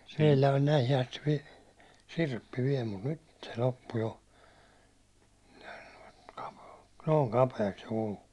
meillä on näihin asti - sirppi vielä mutta nyt se loppu jo niin kapea noin kapeaksi se kuluu